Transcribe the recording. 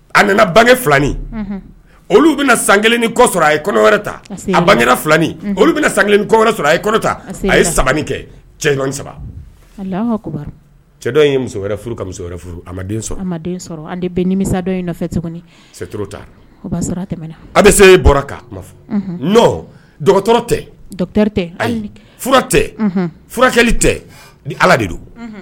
A nana bange filani olu bɛna san kelen kɔ sɔrɔ a ye wɛrɛ ta a bange filani olu bɛna san kelen kɔɛ sɔrɔ ata a ye sabali kɛ cɛ saba cɛ ye musokɔrɔba wɛrɛ ka muso wɛrɛ furu a ma sɔrɔmisadɔ bɛ se bɔra n dɔgɔtɔrɔ tɛ tɛ tɛ furali tɛ ni ala de don